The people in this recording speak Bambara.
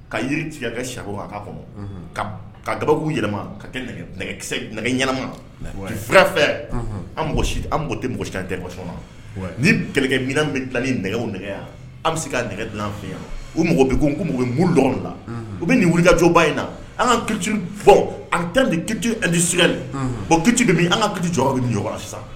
Ka yiri tigɛ kɛ si kɔnɔ ka kababugu yɛlɛma ka nɛgɛ ɲɛnama sira fɛ an an tɛ mɔgɔsiya tɛsɔn na ni kɛlɛmin bɛ dilan ni nɛgɛw nɛgɛya an bɛ se k ka nɛgɛ dilan fɛ yan u mɔgɔ bɛ ko mɔgɔ mu dɔn la u bɛ nin wulikajɔba in na an ka kitu bɔ ni kitudi sli bɔn ki an ka ki jɔ ni ɲɔgɔn sisan